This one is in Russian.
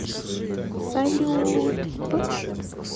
салют п